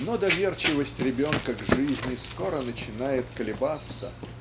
Но доверчивость ребенка к жизни скоро начинает колебаться.